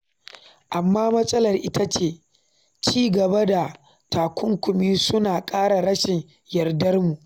Amma matsalar ita ce ci gaba da takunkumi suna kara rashin yardarmu.”